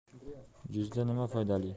yuzda nima foydali